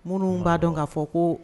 Minnu b'a dɔn ka fɔ ko